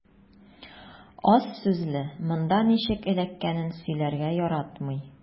Аз сүзле, монда ничек эләккәнен сөйләргә яратмый.